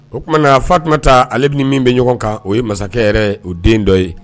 O kumanaa Fatumataa ale ni min bɛ ɲɔgɔn kan o ye masakɛ yɛrɛ o den dɔ ye